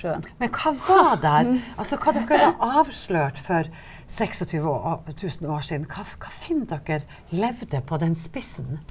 men hva var der altså hva dere har avslørt for 26000 år siden hva hva finner dere levde på den spissen?